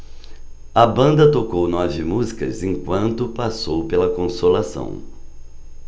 a banda tocou nove músicas enquanto passou pela consolação